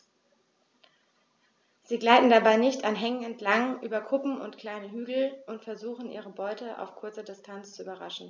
Sie gleiten dabei dicht an Hängen entlang, über Kuppen und kleine Hügel und versuchen ihre Beute auf kurze Distanz zu überraschen.